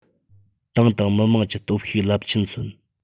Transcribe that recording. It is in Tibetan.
ཏང དང མི དམངས ཀྱི སྟོབས ཤུགས རླབས ཆེན མཚོན